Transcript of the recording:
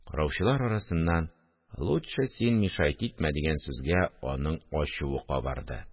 Караучылар арасыннан: – Лутчы син мишайт итмә! – дигән сүзгә аның ачуы кабарды: